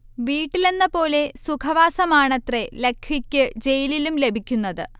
വീട്ടിലെന്ന പോലെ സുഖവാസമാണത്രേ ലഖ്വിക്ക് ജയിലിലും ലഭിക്കുന്നത്